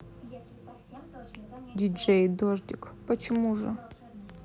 dj дождик почему же